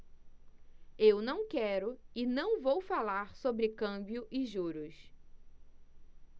eu não quero e não vou falar sobre câmbio e juros